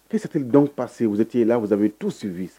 Que s'est il donc passé? Vous étiez là, vous avez, tous vu